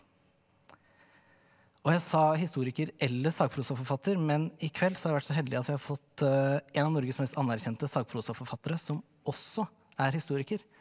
og jeg sa historiker eller sakprosaforfatter men i kveld så har jeg vært så heldig at jeg har fått en av Norges mest anerkjente sakprosaforfattere som også er historiker.